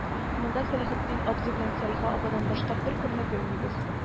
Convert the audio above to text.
Монда Сәләхетдин абзый белән Сәлихә ападан башка беркемне белмибез